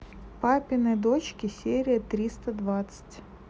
папины дочки серия тристо двадцать